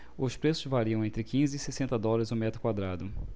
os preços variam entre quinze e sessenta dólares o metro quadrado